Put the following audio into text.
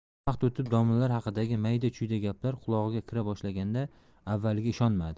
vaqt o'tib domlalar haqidagi mayda chuyda gaplar qulog'iga kira boshlaganda avvaliga ishonmadi